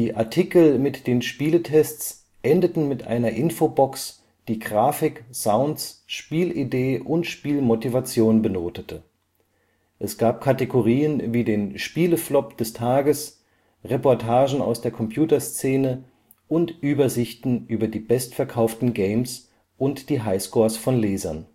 Artikel mit den Spieletests endeten mit einer Info-Box, die Grafik, Sounds, Spielidee und Spielmotivation benotete. Es gab Kategorien wie den Spiele-Flop des Tages, Reportagen aus der Computer-Szene und Übersichten über die bestverkauften Games und die Highscores von Lesern